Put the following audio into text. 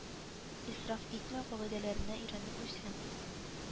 Исраф итмәү кагыйдәләренә өйрәнеп үсә